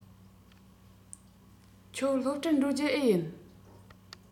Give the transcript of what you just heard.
ཁྱོད སློབ གྲྭར འགྲོ རྒྱུ འེ ཡིན